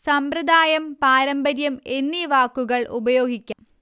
സമ്പ്രദായം പാരമ്പര്യം എന്നീ വാക്കുകൾ ഉപയോഗിക്കാം